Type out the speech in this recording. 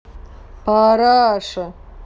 параша